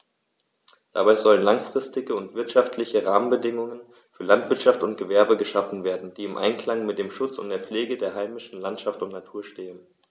Dabei sollen langfristige und wirtschaftliche Rahmenbedingungen für Landwirtschaft und Gewerbe geschaffen werden, die im Einklang mit dem Schutz und der Pflege der heimischen Landschaft und Natur stehen.